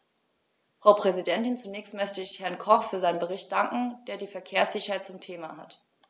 Frau Präsidentin, zunächst möchte ich Herrn Koch für seinen Bericht danken, der die Verkehrssicherheit zum Thema hat.